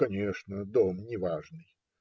- Конечно, дом неважный.